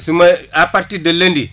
su ma à partir de lundi